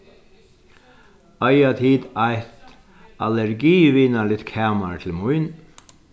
eiga tit eitt allergivinarligt kamar til mín